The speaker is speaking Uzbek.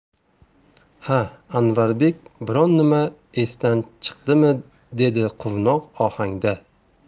ha anvarbek biron nima esdan chiqdimi dedi quvnoq ohangda